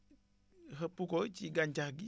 xëpp ko ci gàncax gi